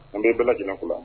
An bɛ bala jkura